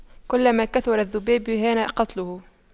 كلما كثر الذباب هان قتله